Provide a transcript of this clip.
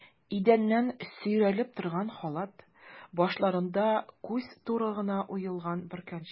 Идәннән сөйрәлеп торган халат, башларында күз туры гына уелган бөркәнчек.